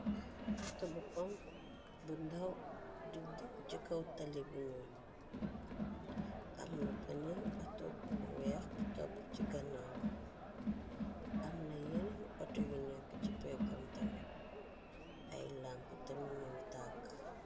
Oto bu honku bu ndaw di dow ci kaw tali bu ñuul. Amna benen oto bu weeh bu topp ci gannaawa, Amna yennni oto yu nekk ci pegam tamit ay lamp tamit nu ing tàkk.